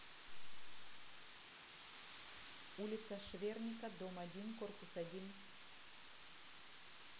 улица шверника дом один корпус один